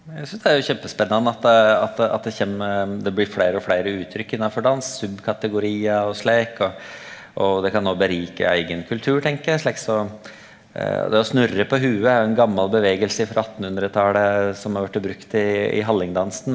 eg synast det er kjempespennande at at at det kjem det blir fleire og fleire uttrykk innafor dans, subkategoriar og slik, og og det kan òg berike eigen kultur tenker eg, slik som det å snurre på hovudet er jo ein gamal bevegelse ifrå attenhundretalet som har vorte brukt i i hallingdansen.